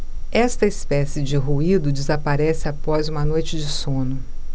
esta espécie de ruído desaparece após uma noite de sono